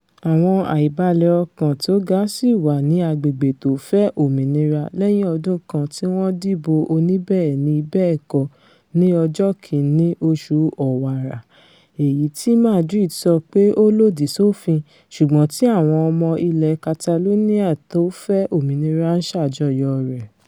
Àwọn àìbalẹ̀-ọkàn tóga sì wà ní agbègbè̀̀ tó fẹ́ òmìnira lẹ́yìn ọdún kan tíwọn dìbò oníbẹ́ẹ̀ni-bẹ́ẹ̀kọ́ ní ọjọ́ Kìn-ín-ní oṣù Ọ̀wàrà èyití Madrid sọ pé ó lòdì sófin ṣùgbọ́n tí àwọn ọmọ ilẹ̀ Catalonia tó fẹ òmìnira ń ṣàjọyọ̀ rẹ̀